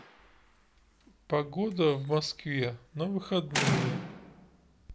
погода в москве на выходные